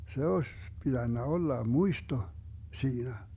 se olisi pitänyt olla muisto siinä